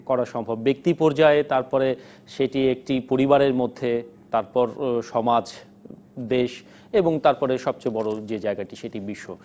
করা সম্ভব ব্যক্তি পর্যায়ে তারপরে সেটি একটি পরিবারের মধ্যে তারপর সমাজ দেশ এবং তারপরে সবচেয়ে বড় যে জায়গাটি সেটি বিশ্ব